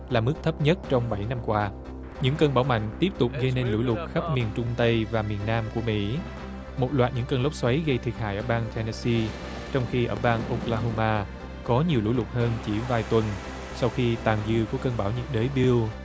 là mức thấp nhất trong bảy năm qua những cơn bão mạnh tiếp tục gây nên lũ lụt khắp miền trung tây và miền nam của mỹ một loạt những cơn lốc xoáy gây thiệt hại ở bang then le xi trong khi ở bang ô cờ la ho ma có nhiều lũ lụt hơn chỉ vài tuần sau khi tàn dư của cơn bão nhiệt đới biu